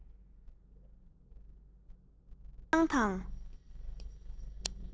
མཐོང སྣང དང